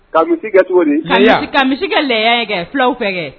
Ka misi kɛ cogo di a ka misi kɛ lajɛ kɛ fulaw fɛ kɛ